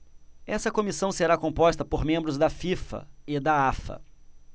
essa comissão será composta por membros da fifa e da afa